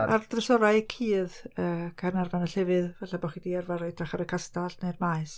Ar drysorau cudd yy Caernarfon y llefydd falle bo' chi 'di arfer edrych ar y castell neu'r maes.